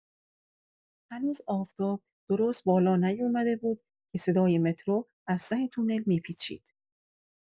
هنوز آفتاب درست بالا نیومده بود که صدای مترو از ته تونل می‌پیچید.